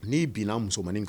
N'i binna musomanmaniin